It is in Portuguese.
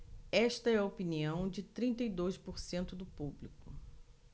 esta é a opinião de trinta e dois por cento do público